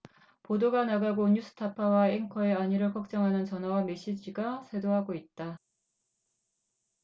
보도가 나가고 뉴스타파 와 앵커의 안위를 걱정하는 전화와 메시지가 쇄도하고 있다